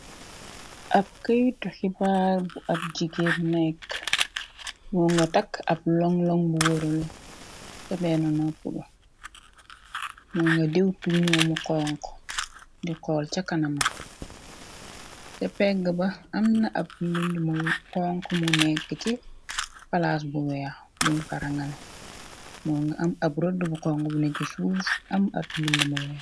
Ab këytu xibaar bu ab jigée nekk, moo nga takk ab lon-loŋ bu wërale ca meenu napp ba, moo nga dewtu ñoo mu xonx di xool, ca kanama, ca pegg ba am na ab mbind mu xonk, mu nekk ci palaas bu weex, buñ farangane, moo nga am ab rodd bu xong bu neju suus, am at mbind mu weex.